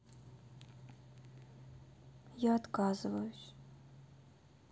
я отказываюсь